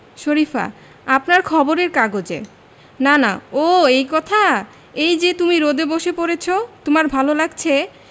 শরিফা আপনার খবরের কাগজে নানা ও এই কথা এই যে তুমি রোদে বসে পড়েছ তোমার ভালো লাগছে